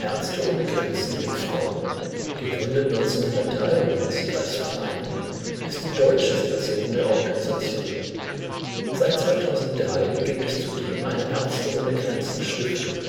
Ärzte ohne Grenzen e. V., gegründet 1993 als Verein, ist die deutsche Sektion der Organisation. Seit 2003 gibt es zudem eine Ärzte ohne Grenzen Stiftung